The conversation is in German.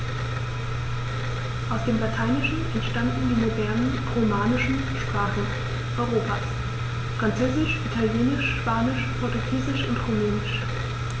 Aus dem Lateinischen entstanden die modernen „romanischen“ Sprachen Europas: Französisch, Italienisch, Spanisch, Portugiesisch und Rumänisch.